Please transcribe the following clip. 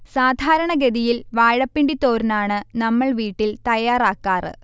സാധാരണഗതിയിൽ വാഴപ്പിണ്ടി തോരനാണ് നമ്മൾ വീട്ടിൽ തയ്യാറാക്കാറ്